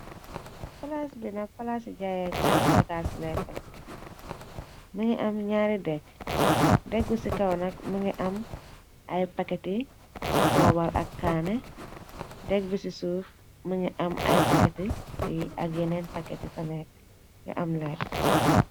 Palaas bina palaasi jayyekaay bagaasi lekkla më ngi am ñaari dekg deggu ci kawanak më ngi am ay paketi poobal ak kaane deg bi ci suuf më ngi am ay paketi ti ak yeneen pakketi fanekk yu am leet.